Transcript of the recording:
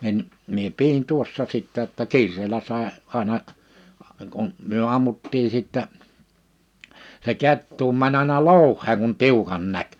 niin minä pidin tuossa sitten jotta kiireellä sai aina kun me ammuttiin sitten se kettukin meni aina louheen kun tiukan näki